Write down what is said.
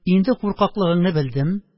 Инде куркаклыгыңны белдем